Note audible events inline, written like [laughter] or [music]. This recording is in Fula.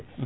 [hesitation] [hesitation]